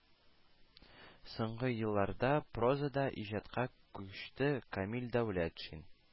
Соңгы елларда прозада иҗатка күчте Камил Дәүләтшин